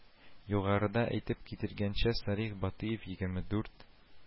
Югарыда әйтеп кителгәнчә, Салих Батыев егрме дүрт